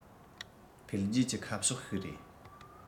འཕེལ རྒྱས ཀྱི ཁ ཕྱོགས ཤིག རེད